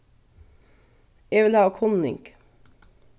eg vil hava kunning